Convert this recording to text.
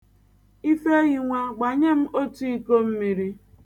Ifeyinwa, gbanye m otu iko mmiri.